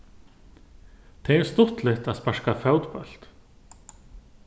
tað er stuttligt at sparka fótbólt